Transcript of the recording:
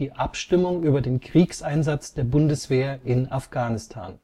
Abstimmung über den Kriegseinsatz der Bundeswehr in Afghanistan